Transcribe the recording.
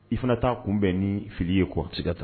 I fana taa kunbɛn ni fili ye kɔsika tan